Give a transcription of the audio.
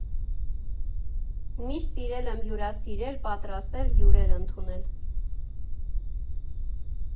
Միշտ սիրել եմ հյուրասիրել, պատրաստել, հյուրեր ընդունել։